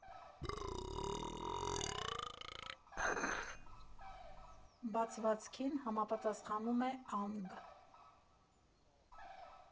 Բացվածքին համապատասխանում է անգ.